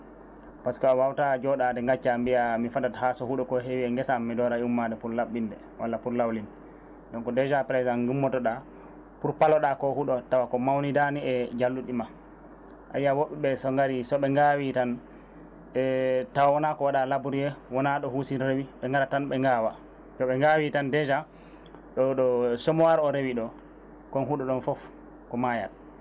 par ce que a wawata joɗade gacca mbiya mi fadat ha so huuɗo ko heewi e geesam mi doora ummade pour laɓɓinde walla pour lawlinde donc déjà présent gummotoɗa pour paaloɗa ko huuɗo tawko mawnidani e njalluɗi ma a yiiya woɗɗuɓe so gaari sooɓe gaawi tan e tawa woona ko waɗa labourer wona ɗo huusirta ni ɓe garat tan ɓe gawa sooɓe gawi tan déjà ɗo ɗo somo ara o reewi ɗo kon huuɗo ɗon foof ko mayat